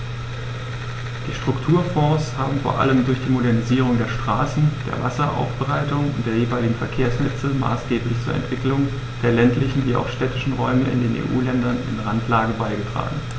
Die Strukturfonds haben vor allem durch die Modernisierung der Straßen, der Wasseraufbereitung und der jeweiligen Verkehrsnetze maßgeblich zur Entwicklung der ländlichen wie auch städtischen Räume in den EU-Ländern in Randlage beigetragen.